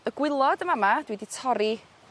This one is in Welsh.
y gwilod yn fa' 'ma dwi 'di torri